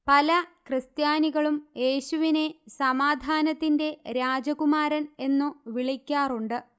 പല ക്രിസ്ത്യാനികളും യേശുവിനെ സമാധാനത്തിന്റെ രാജകുമാരൻ എന്നു വിളിക്കാറുണ്ട്